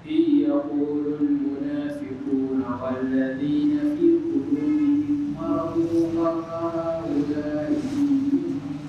Miniyan yago sekun la wa ya kun faamakun ma wulajɛ